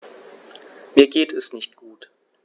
Mir geht es nicht gut.